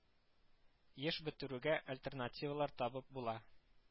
Еш бетерүгә альтернативалар табып була